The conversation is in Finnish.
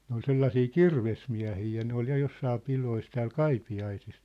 ne oli sellaisia kirvesmiehiä ja ne oli ja jossakin pidoissa täällä Kaipiaisissa